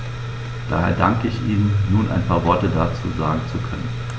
Daher danke ich Ihnen, nun ein paar Worte dazu sagen zu können.